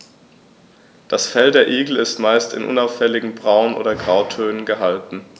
Das Fell der Igel ist meist in unauffälligen Braun- oder Grautönen gehalten.